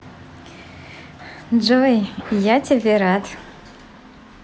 джой я тебе рад